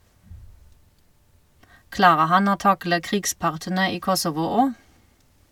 Klarer han å takle krigspartene i Kosovo òg?